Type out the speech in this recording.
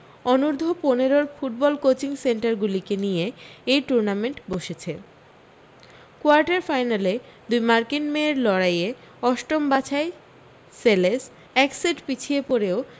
অনূর্ধ্ব পনেরোর football coaching সেন্টারগুলিকে নিয়ে এই টুর্নামেন্ট বসেছে কোয়ার্টার ফাইনালে দুই মার্কিন মেয়ের লড়াইয়ে অষ্টম বাছাই সেলেস এক সেট পিছিয়ে পড়েও